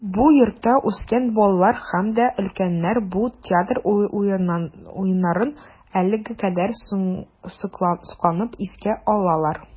Бу йортта үскән балалар һәм дә өлкәннәр бу театр уеннарын әлегә кадәр сокланып искә алалар.